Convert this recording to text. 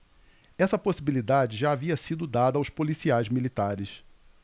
essa possibilidade já havia sido dada aos policiais militares